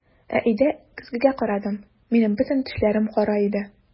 Ә өйдә көзгегә карадым - минем бөтен тешләрем кара иде!